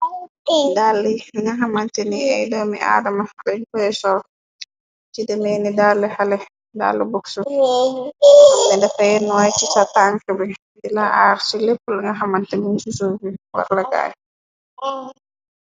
Dali yi nga xamante ni ay doomi aadama lañ poy sor ci demee ni dalli xale dallu buksu ne dafay nooy ci ca tank bi dila aar ci lepp la nga xamante miñ si suuf bi warlakaay.